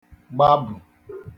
gbabu